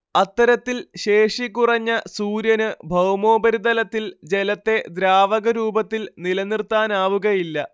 അത്തരത്തിൽ ശേഷി കുറഞ്ഞ സൂര്യന് ഭൗമോപരിതലത്തിൽ ജലത്തെ ദ്രാവക രൂപത്തിൽ നിലനിർത്താനാവുകയില്ല